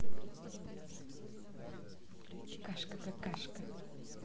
кашка какашка